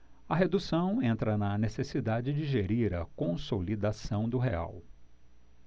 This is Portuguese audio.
a redução entra na necessidade de gerir a consolidação do real